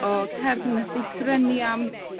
o cerdyn nath 'i sgrennu am